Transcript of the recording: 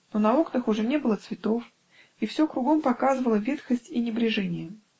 но на окнах уже не было цветов, и все кругом показывало ветхость и небрежение.